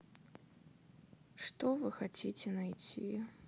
что вы хотите найти